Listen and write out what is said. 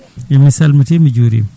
eyyi mi salmitima mi juurima